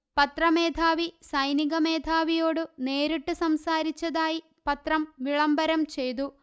പത്രമേധാവി സൈനികമേധാവിയോട് നേരിട്ടു സംസാരിച്ചതായി പത്രം വിളംബരം ചെയ്തു